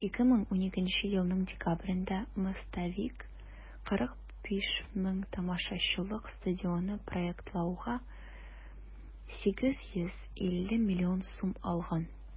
2012 елның декабрендә "мостовик" 45 мең тамашачылык стадионны проектлауга 850 миллион сум алган.